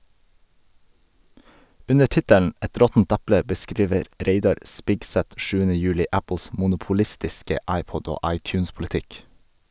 Under tittelen "Et råttent eple" beskriver Reidar Spigseth 7. juli Apples monopolistiske iPod- og iTunes-politikk.